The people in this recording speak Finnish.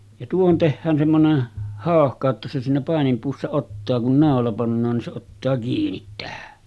ja tuohon tehdään semmoinen hauhka että se siinä paininpuussa ottaa kun naula pannaan niin se ottaa kiinni tähän